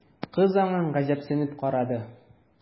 Кыз аңа гаҗәпсенеп карады.